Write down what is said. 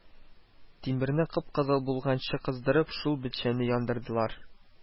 Тимерне кып-кызыл булганчы кыздырып, шул бетчәне яндырдылар